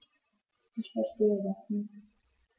Ich verstehe das nicht.